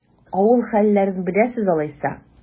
Авыл хәлләрен беләсез алайса?